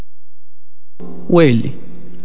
ويلي